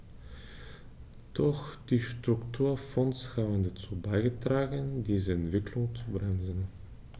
Doch die Strukturfonds haben dazu beigetragen, diese Entwicklung zu bremsen.